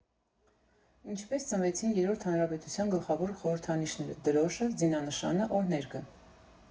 Ինչպես ծնվեցին Երրորդ հանրապետության գլխավոր խորհրդանիշները՝ դրոշը, զինանշանը, օրհներգը։